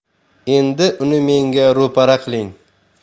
endi uni menga ro'para qiling